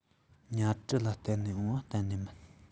ཉ གྲུ ལ གཏད ནས འོང བ གཏན ནས མིན